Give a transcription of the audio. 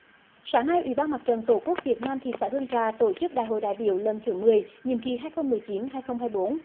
sáng nay ủy ban mặt trận tổ quốc việt nam thị xã hương trà tổ chức đại hội đại biểu lần thứ mười nhiệm kỳ hai không mười chín hai không hai bốn